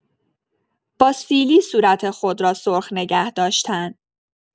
با سیلی صورت خود را سرخ نگه‌داشتن